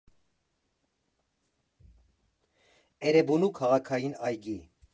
Էրեբունու քաղաքային այգի։